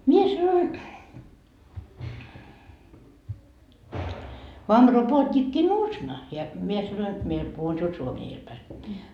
minä sanoin vaan ropootikki nuusna ja minä sanoin minä puhun sinulle suomea edellä päin